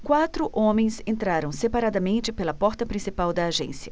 quatro homens entraram separadamente pela porta principal da agência